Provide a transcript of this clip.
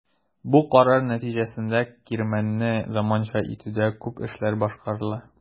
Бу карар нәтиҗәсендә кирмәнне заманча итүдә күп эшләр башкарыла.